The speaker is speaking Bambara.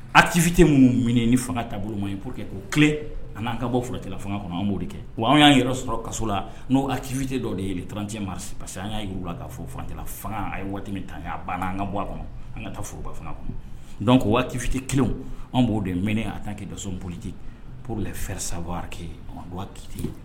Atifite min minɛ ni fanga taabolo ma po que ko tile an'an ka bɔ furakɛtila fanga kɔnɔ anw b'o kɛ wa anw y'an yɛrɛ sɔrɔ kaso la n'o a tifite dɔ de ye tranticɛ marisi parce que an y'a' la katila fanga a ye waati min ta a banna an ka bɔ a kɔnɔ an ka taa foroba fana kun don ko waatitifite kelen an b'o de minɛ a'an kɛ dɔoli po fɛrɛsawake mate ye